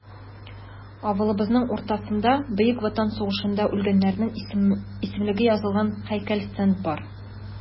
Авылыбызның уртасында Бөек Ватан сугышында үлгәннәрнең исемлеге язылган һәйкәл-стенд бар.